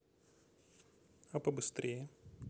а побыстрее